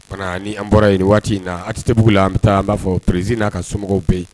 Fana ni an bɔra yen waati in na ATT bugu la an bɛ taa, an b'a fɔ presi n'a ka somɔgɔw bɛ yen.